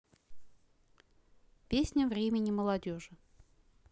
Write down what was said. песня время молодежи